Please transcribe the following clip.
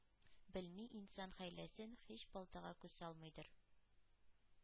Белми инсан хәйләсен — һич балтага күз салмыйдыр.